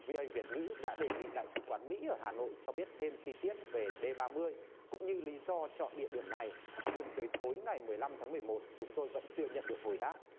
vi ô ây việt ngữ đã đề nghị đại sứ quán mỹ ở hà nội cho biết thêm chi tiết về đê ba mươi cũng như lý do chọn địa điểm này nhưng tới tối ngày mười lăm tháng mười một chúng tôi vẫn chưa nhận được hồi đáp